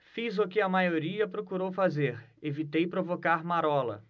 fiz o que a maioria procurou fazer evitei provocar marola